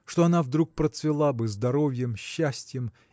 что она вдруг процвела бы здоровьем счастьем